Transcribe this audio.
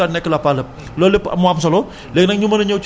delluwaat encore ci suuf si defaat fa at ngir dellusiwaat nekk lëppaalëp